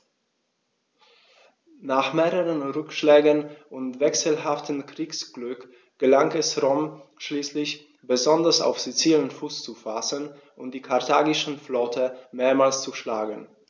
Nach mehreren Rückschlägen und wechselhaftem Kriegsglück gelang es Rom schließlich, besonders auf Sizilien Fuß zu fassen und die karthagische Flotte mehrmals zu schlagen.